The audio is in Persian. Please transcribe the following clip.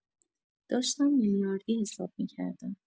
داشتم میلیاردی حساب می‌کردم